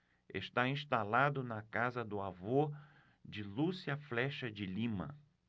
está instalado na casa do avô de lúcia flexa de lima